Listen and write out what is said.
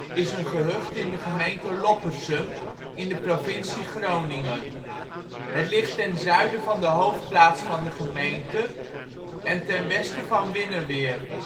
is een gehucht in de gemeente Loppersum in de provincie Groningen. Het ligt ten zuiden van de hoofdplaats van de gemeente en ten westen van Winneweer